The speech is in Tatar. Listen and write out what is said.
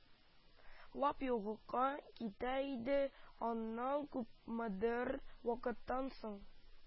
Лап йокыга китә иде, аннан күпмедер вакыттан соң